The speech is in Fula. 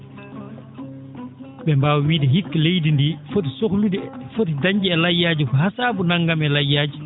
?e mbaawa wiide hikka leydi ndi foti sohlude foti dañde e layyaaji ko haa saabu nanngam e layyaaji